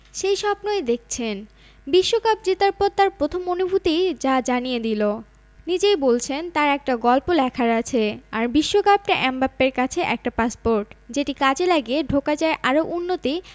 সেই স্বপ্নই দেখছেন বিশ্বকাপ জেতার পর তাঁর প্রথম অনুভূতিই যা জানিয়ে দিল নিজেই বলছেন তাঁর একটা গল্প লেখার আছে আর বিশ্বকাপটা এমবাপ্পের কাছে একটা পাসপোর্ট যেটি কাজে লাগিয়ে ঢোকা যায় আরও উন্নতি